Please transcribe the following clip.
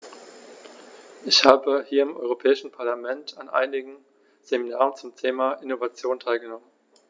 Ich habe hier im Europäischen Parlament an einigen Seminaren zum Thema "Innovation" teilgenommen.